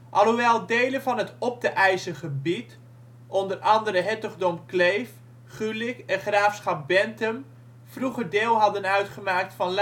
Alhoewel delen van het op te eisen gebied (onder andere Hertogdom Kleef, Gulik en Graafschap Benthem) vroeger deel hadden uitgemaakt van later